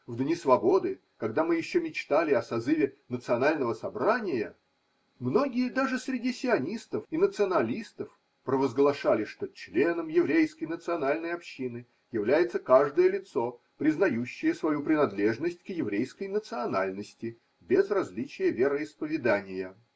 В дни свободы, когда мы еще мечтали о созыве национального собрания, многие даже среди сионистов и националистов провозглашали, что членом еврейской национальной общины является каждое лицо, признающее свою принадлежность к еврейской национальности, без различия вероисповедания.